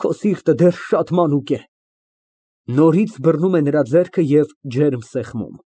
Քո սիրտը դեռ շատ մանուկ է։ (Նորից բռնում է նրա ձեռքը և ջերմ սեղմում)։